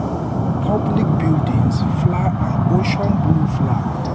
Public buildings fly an ocean-blue flag.